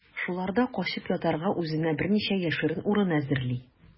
Шуларда качып ятарга үзенә берничә яшерен урын әзерли.